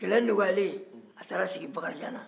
kɛlɛ nɔgɔyalen a taara sigi bakarijanna